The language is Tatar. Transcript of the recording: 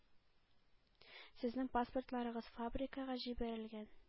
Сезнең паспортларыгыз фабрикага җибәрелгән.